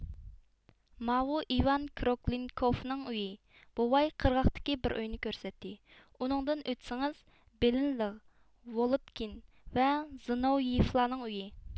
ماۋۇ ئېۋان كروكلىنكوفنىڭ ئۆيى بوۋاي قىرغاقتىكى بىر ئۆينى كۆرسەتتى ئۇنىڭدىن ئۆتسىڭىز بېلىنلېغ ۋولودكىن ۋە زنوۋيېفلارنىڭ ئۆيى